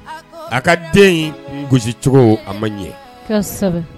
A ka den in gosicogo a ma ɲɛ